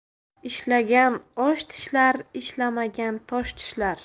ishlagan osh tishlar ishlamagan tosh tishlar